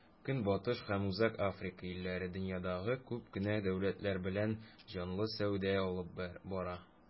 Көнбатыш һәм Үзәк Африка илләре дөньядагы күп кенә дәүләтләр белән җанлы сәүдә алып бара.